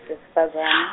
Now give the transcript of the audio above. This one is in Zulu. sifazane.